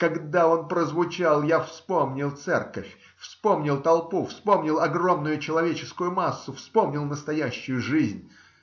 Когда он прозвучал, я вспомнил церковь, вспомнил толпу, вспомнил огромную человеческую массу, вспомнил настоящую жизнь.